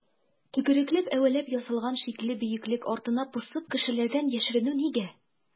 Төкерекләп-әвәләп ясалган шикле бөеклек артына посып кешеләрдән яшеренү нигә?